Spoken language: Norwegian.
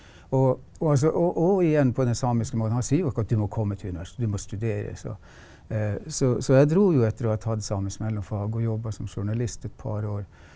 og og altså og og igjen på den samiske måten han sier jo ikke at du må komme til du må studere så så så jeg dro jo etter å ha tatt samisk mellomfag og jobba som journalist et par år.